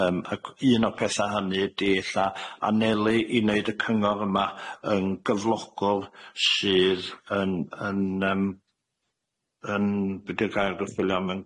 Yym ac un o'r petha hynny ydi ella anelu i neud y cyngor yma yn gyflogol sydd yn yn yym yn be- be- di'r gair dwi'n chwilio am,